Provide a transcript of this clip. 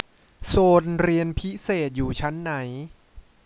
โซนเรียนพิเศษอยู่ชั้นไหน